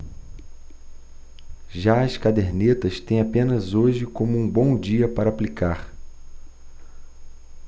já as cadernetas têm apenas hoje como um bom dia para aplicar